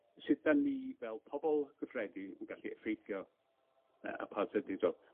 Sut 'dan ni, fel pobol gyffredin, yn gallu effeithio yy apartheid Israel?